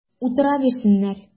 Утыра бирсеннәр!